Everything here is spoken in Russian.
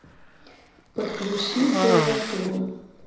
подключи клавиатуру